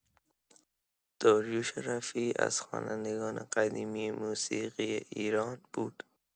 داریوش رفیعی از خوانندگان قدیمی موسیقی ایران بود.